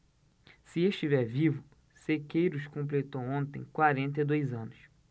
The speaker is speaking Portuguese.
se estiver vivo sequeiros completou ontem quarenta e dois anos